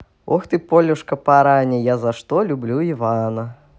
ох ты полюшка параня я за что люблю ивана